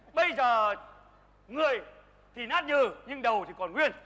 bây giờ người thì nát nhừ nhưng đầu thì còn nguyên